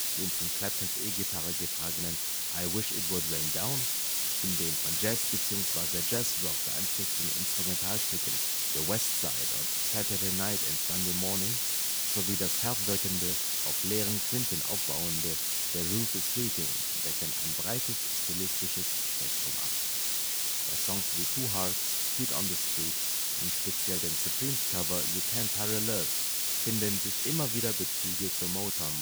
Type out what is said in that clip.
dem von Claptons E-Gitarre getragenen I Wish It Would Rain Down, in den von Jazz bzw. Jazzrock beeinflussten Instrumentalstücken The West Side und Saturday Night And Sunday Morning, sowie das herb wirkende, auf leeren Quinten aufbauende The Roof is Leaking decken ein breites stilistisches Spektrum ab. Bei Songs wie Two Hearts, Heat on the Street und speziell dem Supremes-Cover You Can't Hurry Love finden sich immer wieder Bezüge zur Motown-Musik